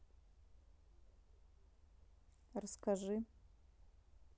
расскажи